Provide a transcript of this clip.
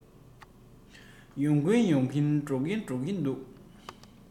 ཡོང གིན ཡོང གིན འགྲོ གིན འགྲོ གིན འདུག